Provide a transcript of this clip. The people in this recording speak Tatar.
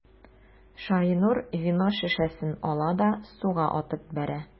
Шаһинур вино шешәсен ала да суга атып бәрә.